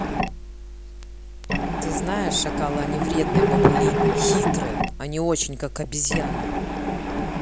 ты знаешь шакалы они вредные бабулины хитрые они очень как обезьяны